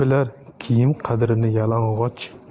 bilar kiyim qadrini yalang'och